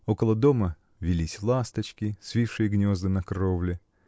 Около дома вились ласточки, свившие гнезда на кровле